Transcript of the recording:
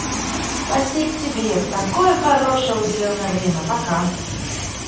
спасибо тебе это такое хорошее уделенное время пока